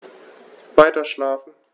Weiterschlafen.